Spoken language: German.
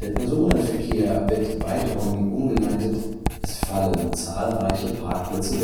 Personenverkehr wird weiträumig umgeleitet, es fallen zahlreiche Parkplätze